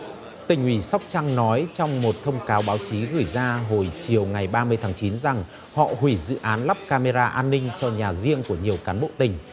tỉnh ủy sóc trăng nói trong một thông cáo báo chí gửi ra hồi chiều ngày ba mươi tháng chín rằng họ hủy dự án lắp cam mê ra an ninh cho nhà riêng của nhiều cán bộ tỉnh